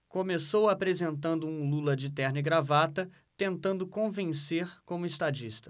começou apresentando um lula de terno e gravata tentando convencer como estadista